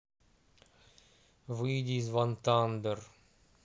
выйди из вантандер